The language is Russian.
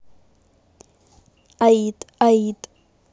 аид аид